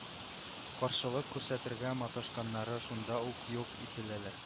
Каршылык күрсәтергә маташканнары шунда ук юк ителәләр